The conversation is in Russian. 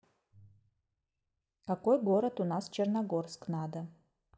какой город у нас черногорск надо